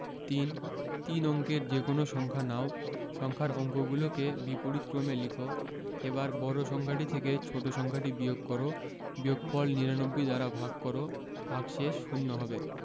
৩ তিন অঙ্কের যেকোনো সংখ্যা নাও সংখ্যার অঙ্কগুলোকে বিপরীতক্রমে লিখ এবার বড় সংখ্যাটি থেকে ছোট সংখ্যাটি বিয়োগ কর বিয়োগফল ৯৯ দ্বারা ভাগ কর ভাগশেষ শূন্য হবে